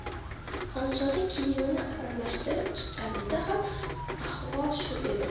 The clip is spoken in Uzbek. xonzoda kiyimini almashtirib chiqqanida ham ahvol shu edi